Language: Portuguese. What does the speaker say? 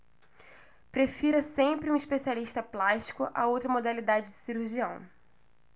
prefira sempre um especialista plástico a outra modalidade de cirurgião